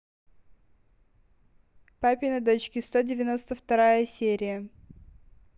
папины дочки сто девяносто вторая серия